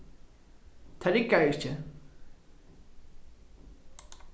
tað riggar ikki